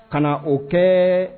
Ka na o kɛ